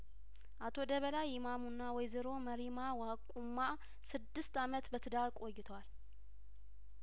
አቶ ደበላ ይማሙና ወይዘሮ መሬማ ዋቁማ ስድስት አመት በትዳር ቆይተዋል